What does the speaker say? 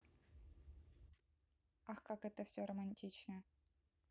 ах как это все романтично